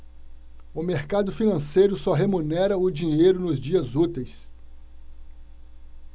o mercado financeiro só remunera o dinheiro nos dias úteis